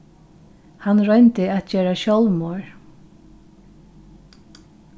hann royndi at gera sjálvmorð